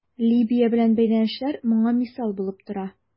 Либия белән бәйләнешләр моңа мисал булып тора.